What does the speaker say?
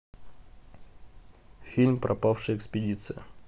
фильм пропавшая экспедиция